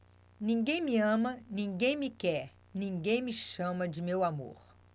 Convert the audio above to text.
ninguém me ama ninguém me quer ninguém me chama de meu amor